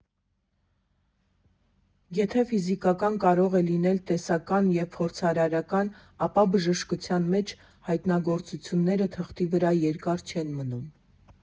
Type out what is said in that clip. Եթե ֆիզիկան կարող է լինել տեսական և փորձարարական, ապա բժշկության մեջ հայտնագործությունները թղթի վրա երկար չեն մնում։